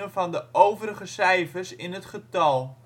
van de overige cijfers in het getal